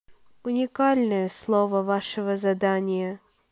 уникальное слово вашего задания